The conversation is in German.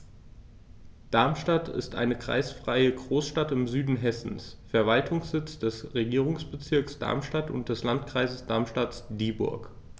Darmstadt ist eine kreisfreie Großstadt im Süden Hessens, Verwaltungssitz des Regierungsbezirks Darmstadt und des Landkreises Darmstadt-Dieburg.